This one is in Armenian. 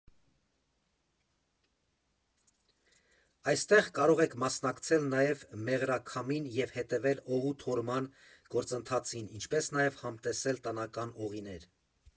Այստեղ կարող եք մասնակցել նաև մեղրաքամին և հետևել օղու թորման գործընթացին, ինչպես նաև համտեսել տնական օղիներ։